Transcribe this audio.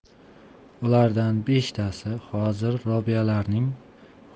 ulardan beshtasi hozir robiyalarning